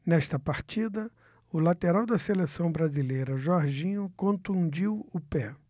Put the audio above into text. nesta partida o lateral da seleção brasileira jorginho contundiu o pé